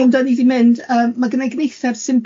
Ond o'n i di mynd yym ma' gynna i gneithar sy'n